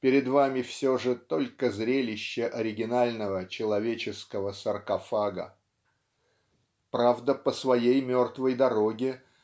пред вами все же -- только зрелище оригинального человеческого саркофага. Правда по своей мертвой дороге